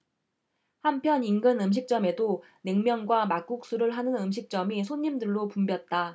한편 인근 음식점에도 냉면과 막국수를 하는 음식점이 손님들로 붐볐다